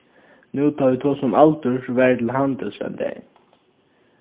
nú tá vit tosa um aldur so var eg til handils ein dagin